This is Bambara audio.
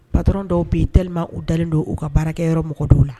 Batr dɔw b' taelima u dalen don u ka baarakɛyɔrɔ mɔgɔ dɔw la